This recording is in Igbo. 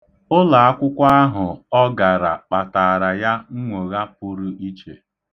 Ụlaakwụkwọ ahụ ọ gara kpataara ya nnwogha pụrụ iche.